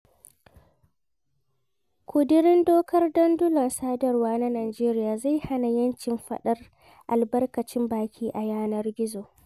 ƙudurin dokar dandulan sadarwa na Najeriya zai hana 'yancin faɗar albarkacin baki a yanar gizo.